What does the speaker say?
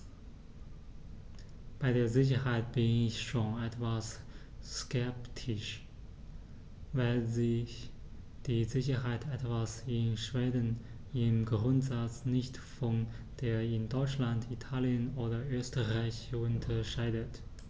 Bei der Sicherheit bin ich schon etwas skeptisch, weil sich die Sicherheit etwa in Schweden im Grundsatz nicht von der in Deutschland, Italien oder Österreich unterscheidet.